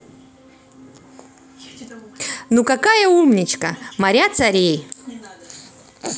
ну какая умничка моря царей